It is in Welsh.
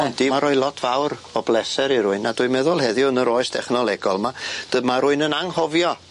O yndi mae rhoi lot fawr o bleser i rywun a dwi'n meddwl heddiw yn yr oes dechnolegol 'ma dyma rywun yn anghofio